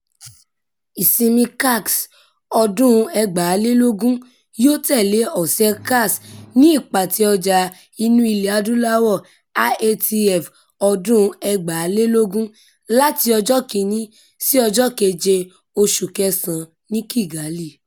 Ìsinmi CAX 2020 yóò tẹ̀lé ọ̀sẹ̀-ẹ CAX ní Ìpàtẹ Ọjà Inú Ilẹ̀-Adúláwọ̀ (IATF2020) láti Ọjọ́ 1 sí ọjọ́ 7 oṣù kẹsàn-án ní Kigali.